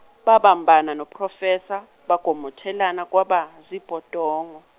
babambana no Professor, bagomothelana kwaba, zibhodongo.